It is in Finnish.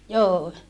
joo